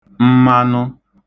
mmanụ